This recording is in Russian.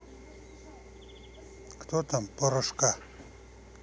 кто там порошка